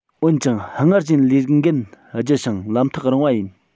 འོན ཀྱང སྔར བཞིན ལས འགན ལྕི ཞིང ལམ ཐག རིང བ ཡིན